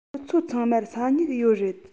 ཁྱོད ཚོ ཚང མར ས སྨྱུག ཡོད རེད